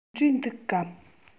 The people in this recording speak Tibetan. འབྲས འདུག གམ